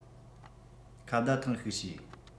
ཁ བརྡ ཐེངས ཤིག བྱས